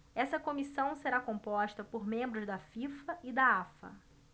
essa comissão será composta por membros da fifa e da afa